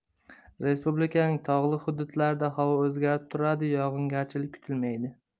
respublikaning tog'li hududlarida havo o'zgarib turadi yog'ingarchilik kutilmaydi